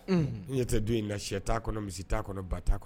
Unhun, e ɲɛ tɛ du in na sɛ t'a kɔnɔ misi t'a kɔnɔ ba t'a kɔnɔ